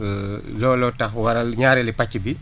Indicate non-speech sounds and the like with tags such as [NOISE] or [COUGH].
[HESITATION] looloo tax waral ñaareelu pàcc bi